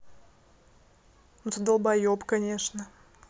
ну ты долбоеб конечно